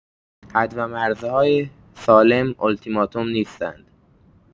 حدومرزهای سالم اولتیماتوم نیستند.